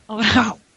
o... Waw!